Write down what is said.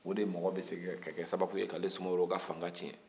o de mɔgɔ bɛ se ka kɛ sababu ye k'ale sumaworo ka fanga tiɲɛ